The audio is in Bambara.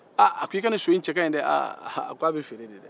aaa a ko i ka ni so cɛ kaɲi dɛ aah a k'a bɛ feere de dɛ